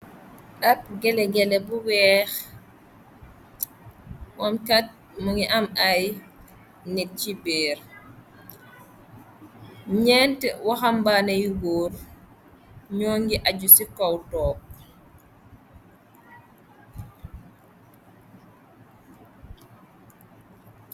Ab gélegélé bu weex, mom kat mu ngi am ay nit ci béer, ñeenti waxambaane yu góor ñoo ngi aju ci kaw toog.